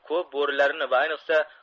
ko'p bo'rilarni va ayniqsa